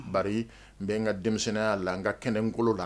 Ba n bɛ n ka denmisɛnninya la n ka kɛnɛ nkolo la